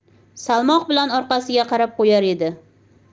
salmoq bilan orqasiga qarab qo'yar edi